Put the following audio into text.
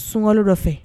Sunkali dɔ fɛ